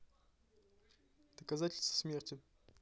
доказательство смерти